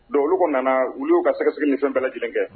Donc olu tun nana olu y'u ka sɛgɛsɛgɛli ni fɛn bɛɛ lajɛlen kɛ